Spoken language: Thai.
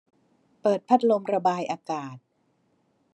เปิดพัดลมระบายอากาศ